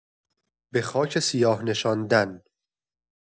به خاک سیاه نشاندن